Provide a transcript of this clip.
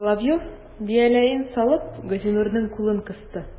Соловеев, бияләен салып, Газинурның кулын кысты.